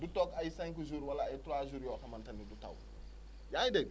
du toog ay cinq jours wala ay trois :fa jours yoo xamante ni du taw yaa ngi dégg